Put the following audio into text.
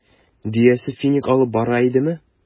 Дөясе финик алып бара идеме?